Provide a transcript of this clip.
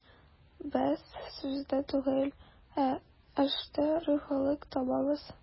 Без сүздә түгел, ә эштә рухилык табабыз.